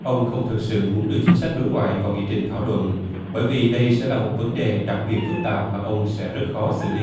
ông không thực sự muốn đưa chính sách đối ngoại vào nghị trình thảo luận bởi vì đây sẽ là một vấn đề đặc biệt phức tạp mà ông sẽ rất khó xử lý